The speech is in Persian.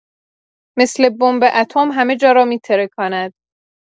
مثل بمب اتم همه جا را می‌ترکاند